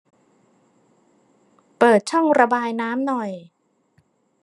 เปิดช่องระบายน้ำหน่อย